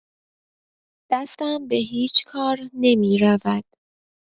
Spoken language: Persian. دستم به هیچ کار نمی‌رود.